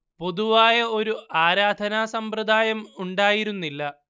പൊതുവായ ഒരു ആരാധനാ സമ്പ്രദായം ഉണ്ടായിരുന്നില്ല